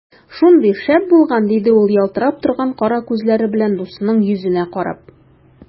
Шундый шәп булган! - диде ул ялтырап торган кара күзләре белән дусының йөзенә карап.